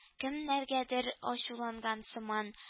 Кемнәргәдер ачуланган сыман